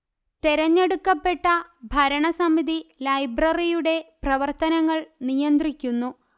തെരഞ്ഞെടുക്കപ്പെട്ട ഭരണസമിതി ലൈബ്രറിയുടെ പ്രവർത്തനങ്ങൾ നിയന്ത്രിക്കുന്നു